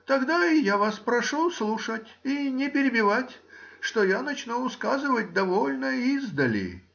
тогда и я вас прошу слушать и не перебивать, что я начну сказывать довольно издали.